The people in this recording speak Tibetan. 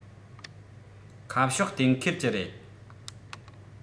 ཁ ཕྱོགས གཏན འཁེལ གྱི རེད